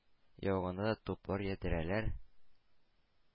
Яуганда да туплар, ядрәләр